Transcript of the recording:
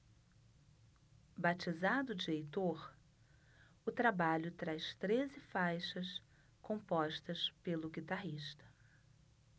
batizado de heitor o trabalho traz treze faixas compostas pelo guitarrista